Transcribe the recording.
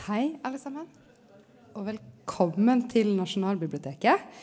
hei alle saman og velkommen til Nasjonalbiblioteket.